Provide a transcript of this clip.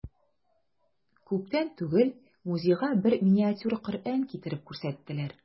Күптән түгел музейга бер миниатюр Коръән китереп күрсәттеләр.